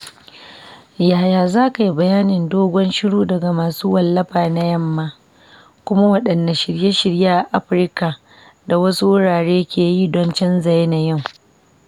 Yaya za kai bayanin dogon shiru daga masu wallafa na Yamma, kuma waɗanne shirye-shirye a Afirka da wasu wurare ke yin don canza yanayin?